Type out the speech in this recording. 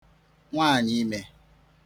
nwaànyị̀ ime